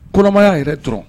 Kɔrɔmaya yɛrɛ dɔrɔn.